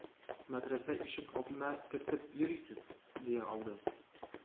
Мәдрәсә ишек алдына кертеп йөрисез? дия алды.